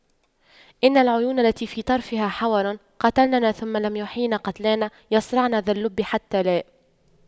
إن العيون التي في طرفها حور قتلننا ثم لم يحيين قتلانا يَصرَعْنَ ذا اللب حتى لا